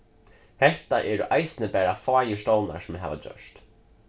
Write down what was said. hetta eru eisini bara fáir stovnar sum hava gjørt